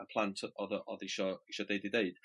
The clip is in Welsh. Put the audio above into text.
y plant o- odd o odd isio isio deud 'u deud.